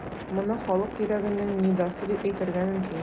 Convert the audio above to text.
Моны халык йөрәгенең нидасы дип әйтергә мөмкин.